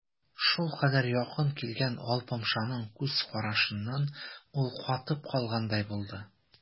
Шулкадәр якын килгән алпамшаның күз карашыннан ул катып калгандай булды.